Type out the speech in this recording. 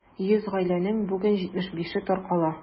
100 гаиләнең бүген 75-е таркала.